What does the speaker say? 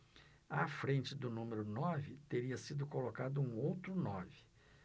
à frente do número nove teria sido colocado um outro nove